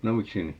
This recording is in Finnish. no miksi niin